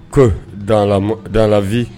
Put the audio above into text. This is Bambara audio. que dans la vie